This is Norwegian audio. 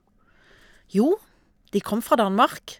Jo, de kom fra Danmark.